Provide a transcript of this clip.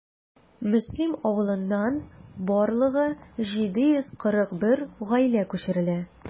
Мөслим авылыннан барлыгы 741 гаилә күчерелә.